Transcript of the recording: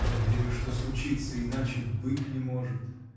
— Я верю, что случится, иначе быть не может.